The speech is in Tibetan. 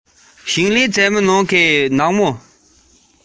ཁྱིམ ནང དུ ཟ མ འདྲ